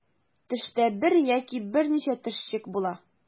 Төштә бер яки берничә төшчек була.